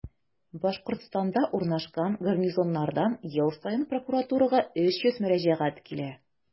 Башкортстанда урнашкан гарнизоннардан ел саен прокуратурага 300 мөрәҗәгать килә.